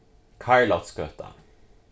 karlotsgøta